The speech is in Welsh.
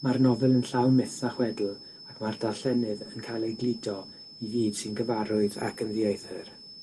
Ma'r nofel yn llaw myth a chwedl, ac ma'r darllenydd yn cael ei gludo i fyd sy'n gyfarwydd ac yn ddieithyr.